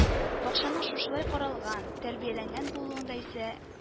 Бакчаның шушылай каралган, тәрбияләнгән булуында исә